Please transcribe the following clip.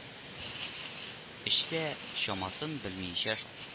Эчсә, чамасын белми эчә шул